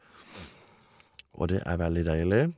Og det er veldig deilig.